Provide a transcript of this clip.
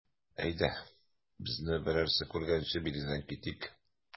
Әйдә, безне берәрсе күргәнче биредән китик.